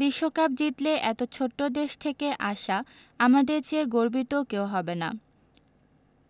বিশ্বকাপ জিতলে এত ছোট্ট দেশ থেকে আসা আমাদের চেয়ে গর্বিত কেউ হবে না